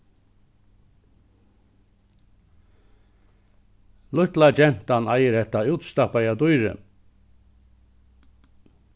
lítla gentan eigur hetta útstappaða dýrið